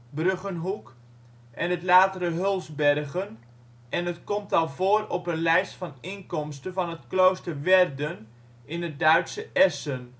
Bruggenhoek) en het latere Hulsbergen en het komt al voor op een lijst van inkomsten van het Klooster Werden in het Duitse Essen